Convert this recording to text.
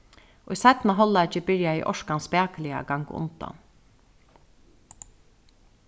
í seinna hálvleiki byrjaði orkan spakuliga at ganga undan